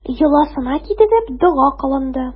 Йоласына китереп, дога кылынды.